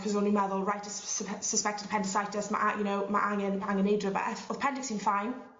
'chos o'n i'n meddwl reit suspected ppendicitis ma' a- you know ma' angen angen neud rwbeth. O'dd pendics fi'n fine.